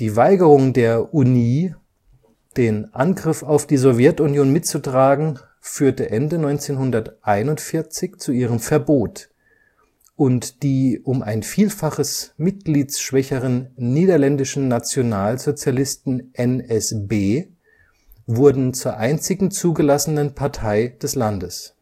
Weigerung der Unie, den Angriff auf die Sowjetunion mitzutragen, führte Ende 1941 zu ihrem Verbot, und die um ein Vielfaches mitgliedsschwächeren niederländischen Nationalsozialisten NSB wurden zur einzigen zugelassenen Partei des Landes